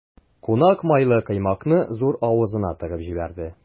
Кунак майлы коймакны зур авызына тыгып җибәрде.